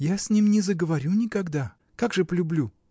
Я с ним и не заговорю никогда; как же полюблю?